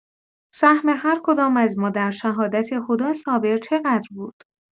سهم هر کدام از ما در شهادت هدی صابر چقدر بود؟